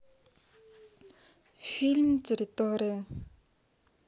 фильм территория